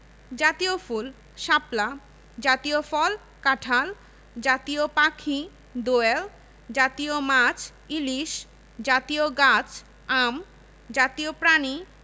জাতীয় ফুলঃ শাপলা জাতীয় ফলঃ কাঁঠাল জাতীয় পাখিঃ দোয়েল জাতীয় মাছঃ ইলিশ জাতীয় গাছঃ আম জাতীয় প্রাণীঃ